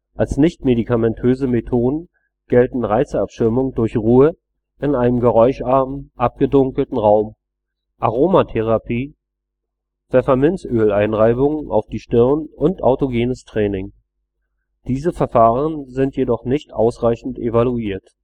Als nichtmedikamentöse Methoden gelten Reizabschirmung durch Ruhe in einem geräuscharmen, abgedunkelten Raum, Aromatherapie, Pfefferminzöleinreibungen auf die Stirn und Autogenes Training. Diese Verfahren sind jedoch nicht ausreichend evaluiert